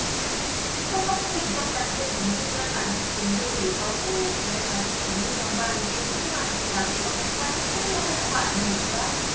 서석구 이적단체 범민련 남측 본부에 대해서 통일의 그날까지 범민련과 함께 투쟁하겠다 그거 북한식 통일하자는 것 아닙니까